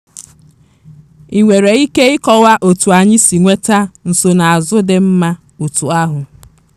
GV: Ị nwere ike ịkọwa otu anyị si nweta nsonaazụ dị mma otu ahụ?